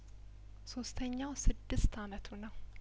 ሶስተኛው ስድስት አመቱ ነው